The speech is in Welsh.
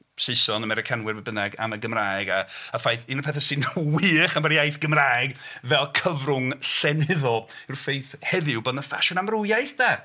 Saeson, Americanwyr a be bynnag am y Gymraeg a a ffaith... Un o'r pethau sy'n wych am yr iaith Gymraeg fel cyfrwng llenyddol yw'r ffaith heddiw bod 'na ffasiwn amrhywiaeth de.